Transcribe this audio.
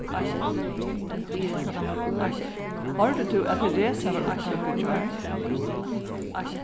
hoyrdi tú at teresa varð uppsøgd í gjár